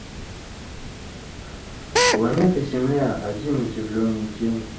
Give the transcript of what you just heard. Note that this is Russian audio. планета земля один удивительный день